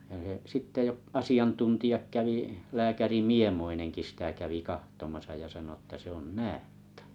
ja he sitten ei ole asiantuntijat kävi lääkäri Miemoinenkin sitä kävi katsomassa ja sanoi että se on näätä